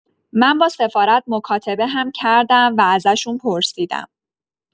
من با سفارت مکاتبه هم کردم و ازشون پرسیدم.